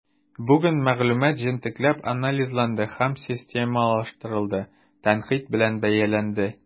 Бөтен мәгълүмат җентекләп анализланды һәм системалаштырылды, тәнкыйть белән бәяләнде.